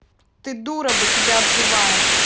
ты дура бы тебя обзываем